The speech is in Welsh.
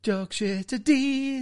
Jogshed y dydd!